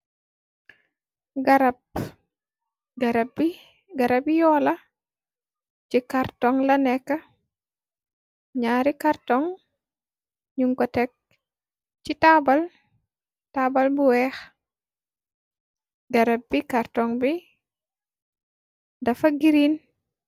Garab garab yi yoola ci kartong la nekk ñaari kartong ñu ko tekk ci a taabal bu weex garab bi kartong bi dafa giriin.